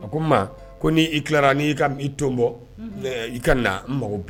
A ko ma ko n' i tilara n' ka i toon bɔ i ka na mago bi